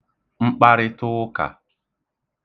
mkparịtụụkà